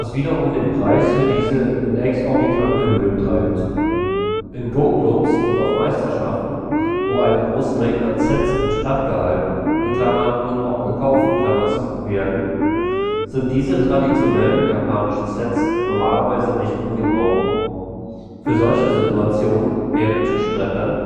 wiederum den Preis für diese in exorbitante Höhen treibt. In Go-Clubs und auf Meisterschaften, wo eine große Menge an Sets instand gehalten (und auch gekauft) werden, sind diese traditionellen japanischen Sets normalerweise nicht in Gebrauch. Für solche Situationen werden Tischbretter